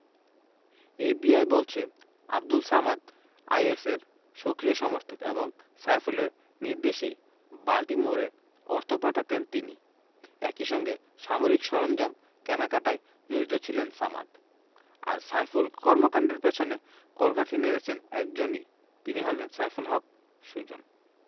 FBI বলছে আবদুল সামাদ আইএসের সক্রিয় সমর্থক এবং সাইফুলের নির্দেশেই বাল্টিমোরে অর্থ পাঠাতেন তিনি একই সঙ্গে সামরিক সরঞ্জাম কেনাকাটায় জড়িত ছিলেন সামাদ আর সাইফুল কর্মকাণ্ডের পেছনে কলকাঠি নেড়েছেন একজনই তিনি হলেন সাইফুল হক সুজন